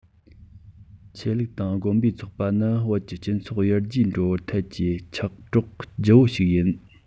ཆོས ལུགས དང དགོན པའི ཚོགས པ ནི བོད ཀྱི སྤྱི ཚོགས ཡར རྒྱས འགྲོ བའི ཐད ཀྱི འཆིང སྒྲོག ལྕི པོ ཞིག ཡིན